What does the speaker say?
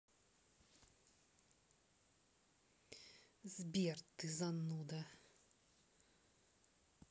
сбер ты зануда